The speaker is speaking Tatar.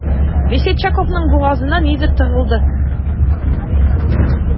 Весельчаковның бугазына нидер тыгылды.